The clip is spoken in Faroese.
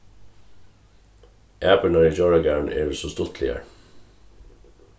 apurnar í djóragarðinum eru so stuttligar